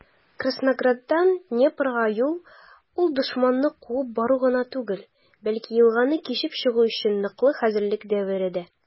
Краснограддан Днепрга юл - ул дошманны куып бару гына түгел, бәлки елганы кичеп чыгу өчен ныклы хәзерлек дәвере дә.